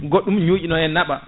goɗɗum ñuuƴi no e naaɓa